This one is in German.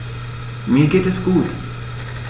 Mir geht es gut.